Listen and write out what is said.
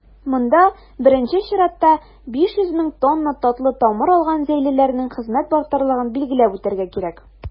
Монда, беренче чиратта, 500 мең тонна татлы тамыр алган зәйлеләрнең хезмәт батырлыгын билгеләп үтәргә кирәк.